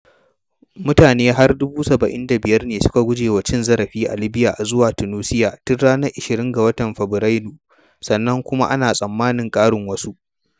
Mutane har 75,000 ne suka guje wa cin-zarafi a Libya zuwa Tunusia tun ranar 20 ga watan Fabrairu, sannan kuma ana tsammanin ƙarin wasu.